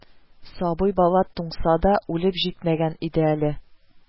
Сабый бала туңса да, үлеп җитмәгән иде әле